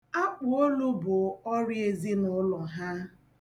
Akpụolu bụ ọrịa ezinụụlọ ha.